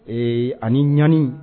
Ee ani ni ɲani